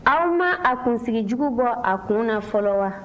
aw ma a kunsigijugu bɔ a kun na fɔlɔ wa